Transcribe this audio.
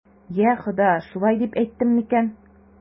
Йа Хода, шулай дип әйттем микән?